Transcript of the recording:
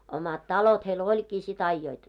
omat talot heillä olikin sitten ajoivat